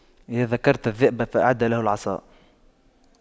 إذا ذكرت الذئب فأعد له العصا